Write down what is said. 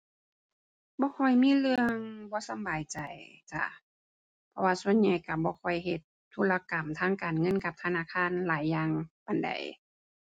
บ่ค่อยมีเรื่องบ่สำบายใจจ้า เพราะว่าส่วนใหญ่ก็บ่ค่อยเฮ็ดธุรกรรมทางการเงินกับธนาคารหลายอย่างปานใด